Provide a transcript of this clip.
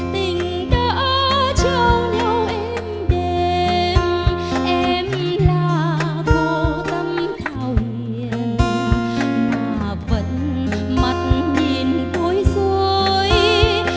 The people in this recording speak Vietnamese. tình đã trao nhau êm đềm em là cô tấm thảo hiền mà vẫn mắt nhìn bối rối